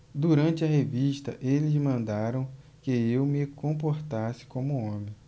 durante a revista eles mandaram que eu me comportasse como homem